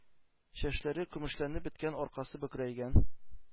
Чәчләре көмешләнеп беткән, аркасы бөкрәйгән,